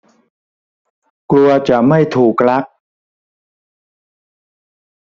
กลัวจะไม่ถูกรัก